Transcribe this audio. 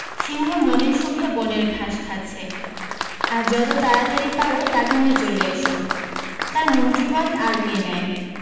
সিংহ মনের সুখে বনের ঘাস খাচ্ছে আর যত তাড়াতাড়ি পার তাকে নিয়ে চলে এসো তার মন্ত্রিপদ আর কে নেয়